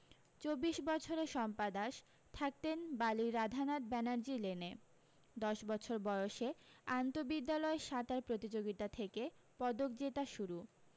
চব্বিশ বছরের শম্পা দাস থাকতেন বালির রাধানাথ ব্যানার্জি লেনে দশ বছর বয়সে আন্ত বিদ্যালয় সাঁতার প্রতিযোগীতা থেকে পদক জেতা শুরু